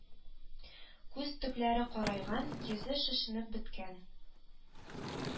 Күз төпләре карайган, йөзе шешенеп беткән